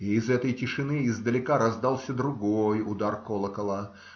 И из этой тишины издалека раздался другой удар колокола